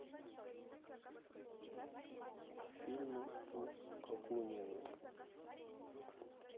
фильмы по акунину